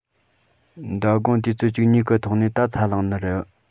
མདའ དགོང དུས ཚོད བཅུ གཉིས གི ཐོག ནས ད ཚ ལངས ནི རེད